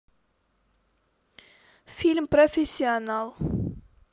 фильм профессионал